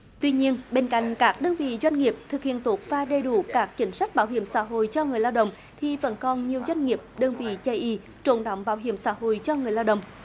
tuy nhiên bên cạnh các đơn vị doanh nghiệp thực hiện tốt và đầy đủ các chính sách bảo hiểm xã hội cho người lao động thì vẫn còn nhiều doanh nghiệp đơn vị chây ì trốn đóng bảo hiểm xã hội cho người lao động